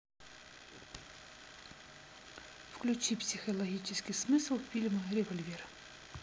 включи психологический смысл фильма револьвер